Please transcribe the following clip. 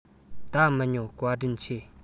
ད མི ཉོ བཀའ དྲིན ཆེ